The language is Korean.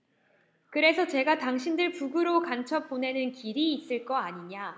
그래서 제가 당신들 북으로 간첩 보내는 길이 있을 거 아니냐